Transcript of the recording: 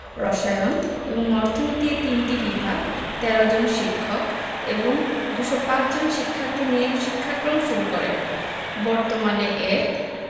রসায়ন এবং অর্থনীতি এ তিনটি বিভাগ ১৩ জন শিক্ষক এবং ২০৫ জন শিক্ষার্থী নিয়ে শিক্ষাক্রম শুরু করে বর্তমানে এর